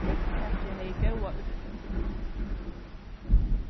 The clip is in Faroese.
tiltakið hevði góða úrtøku